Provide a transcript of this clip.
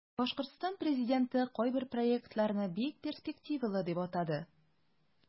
Башкортстан президенты кайбер проектларны бик перспективалы дип атады.